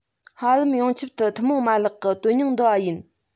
ཧ ལམ ཡོངས ཁྱབ ཏུ ཐུན མོང མ ལག གི དོན སྙིང འདུ བ ཡིན